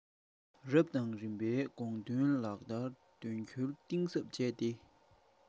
རབ དང རིམ པའི དགོངས དོན ལག བསྟར དོན འཁྱོལ གཏིང ཟབ བྱས ཏེ